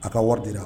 A ka wari dira